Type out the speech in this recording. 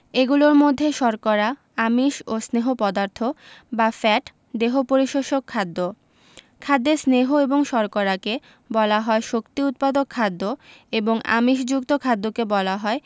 এগুলোর মধ্যে শর্করা আমিষ ও স্নেহ পদার্থ বা ফ্যাট দেহ পরিপোষক খাদ্য খাদ্যের স্নেহ এবং শর্করাকে বলা হয় শক্তি উৎপাদক খাদ্য এবং আমিষযুক্ত খাদ্যকে বলা হয়